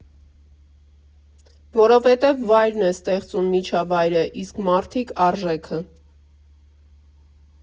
Որովհետև վայրն է ստեղծում միջավայրը, իսկ մարդիկ՝ արժեքը։